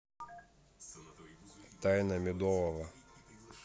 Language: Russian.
тайна медового